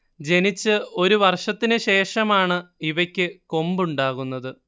ജനിച്ച് ഒരുവർഷത്തിനുശേഷമാണ് ഇവയ്ക്ക് കൊമ്പ് ഉണ്ടാകുന്നത്